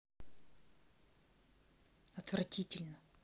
отвратительно